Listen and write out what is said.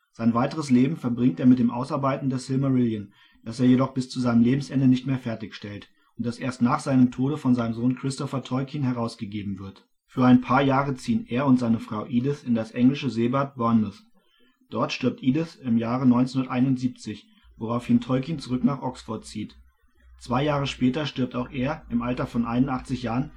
Sein weiteres Leben verbringt er mit dem Ausarbeiten des Silmarillion, das er jedoch bis zu seinem Lebensende nicht mehr fertigstellt und das erst nach seinem Tode von seinem Sohn Christopher Tolkien herausgegeben wird. Für ein paar Jahre ziehen er und seine Frau Edith in das englische Seebad Bournemouth. Dort stirbt Edith im Jahre 1971, woraufhin Tolkien zurück nach Oxford zieht. Zwei Jahre später stirbt auch er im Alter von 81 Jahren